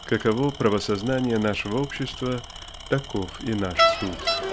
Каково правосознание нашего общества, таков и наш суд.